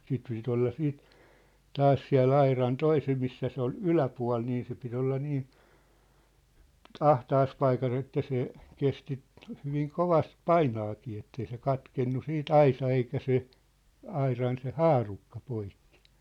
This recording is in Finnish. siitä piti olla siitä taas siellä auran toisen missä se oli yläpuoli niin se piti olla niin ahtaassa paikassa että se kesti hyvin kovasti painaakin että ei se katkennut sitten aisa eikä se auran se haarukka poikki